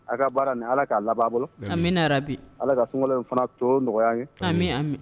Ala ka baara ni ala k'a laban bolo an bɛ bi ala ka sun in fana to nɔgɔya kɛ